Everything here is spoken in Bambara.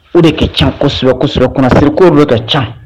O de kɛ can kosɛbɛ kosɛbɛ. Kunnasiri kow de kɛ can